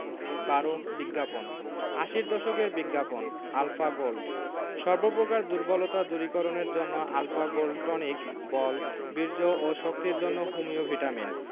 ১২ বিজ্ঞাপন আশির দশকের বিজ্ঞাপন আলফা গোল্ড সর্ব প্রকার দুর্বলতা দূরীকরণের জন্য আল্ ফা গোল্ড টনিক –বল বীর্য ও শক্তির জন্য হোমিও ভিটামিন